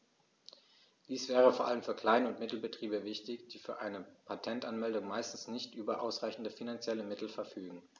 Dies wäre vor allem für Klein- und Mittelbetriebe wichtig, die für eine Patentanmeldung meistens nicht über ausreichende finanzielle Mittel verfügen.